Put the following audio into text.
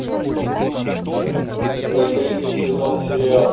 закрытый сезон сериал